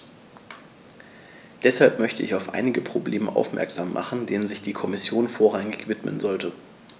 Deshalb möchte ich auf einige Probleme aufmerksam machen, denen sich die Kommission vorrangig widmen sollte.